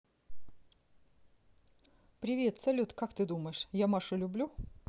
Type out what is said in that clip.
привет салют как ты думаешь я машу люблю